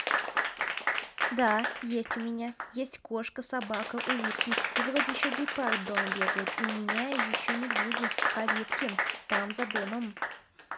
да есть у меня есть кошка собака улитки и вроде еще гепард дома бегает и у меня еще медведи в калитке там за домом